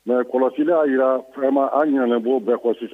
Mɛ kɔlɔsi y'a jirara kma an ɲ bɔ bɛɛ kɔ sisan